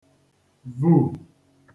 vù